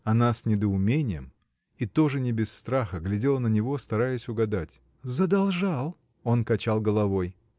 Она с недоумением, и тоже не без страха, глядела на него, стараясь угадать. — Задолжал? Он качал головой.